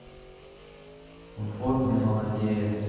вот молодец